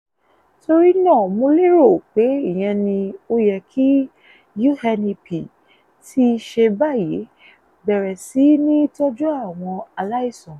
Torí náà mo lérò pé ìyẹn ni ó yẹ́ kí UNEP ti ṣe báyìí: bẹ̀rẹ̀ sí ní tọ́jú àwọn aláìsàn.